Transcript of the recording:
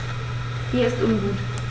Mir ist ungut.